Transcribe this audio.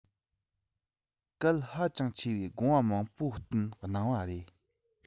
གལ ཧ ཅང ཆེ བའི དགོངས པ མང པོ བཏོན གནང བ རེད